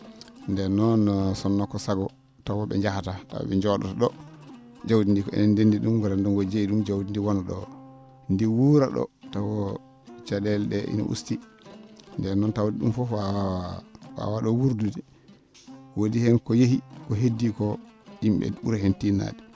nden noon sinno ko sago tawa ?e njahataa tawa ?e njoo?oto ?o jawdi ndii ko enen ndenndi ?um ko renndo ngoo jeyi ?um jawdi ndii wonaa ?o ndi wuura ?o tawa ca?eele ?ee ene ustii ndeen noon tawde ?um fof waawaa waawaa ?oo wurdude woodii heen ko yehi ko heddii koo yim?e ?ura heen tiinnaade